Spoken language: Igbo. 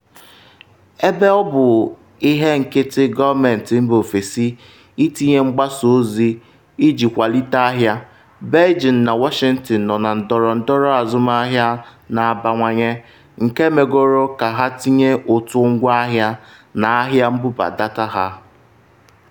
Ebe ọ bụ ihe nkiti gọọmentị mba ofesi itinye mgbasa ozi iji kwalite ahịa, Beijing na Washington nọ na ndọrọndọrọ azụmahịa na-abawanye nke megoro ka ha tinye ụtụ ngwahịa na ahịa mbubadata ha.